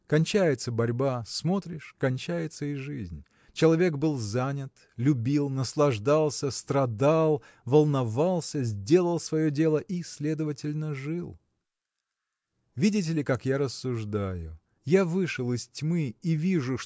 Кончается борьба, смотришь – кончается и жизнь человек был занят любил наслаждался страдал волновался сделал свое дело и следовательно жил! Видите ли, как я рассуждаю я вышел из тьмы – и вижу